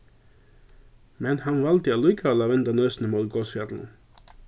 men hann valdi allíkavæl at venda nøsini móti gosfjallinum